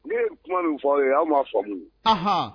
Ne ye kuma min fɔ aw ye, a' ma fɔmu. Ahan!